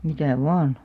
mitä vain